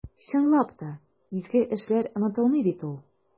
Чынлап та, изге эшләр онытылмый бит ул.